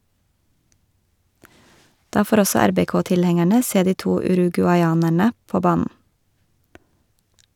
Da får også RBK-tilhengerne se de to uruguayanerne på banen.